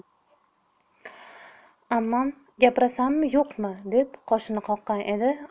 ammam gapirasanmi yo'qmi deb qoshini qoqqan edi